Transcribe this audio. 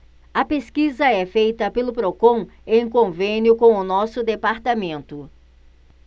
a pesquisa é feita pelo procon em convênio com o diese